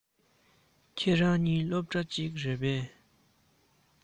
ཁྱེད རང གཉིས སློབ གྲ གཅིག རེད པས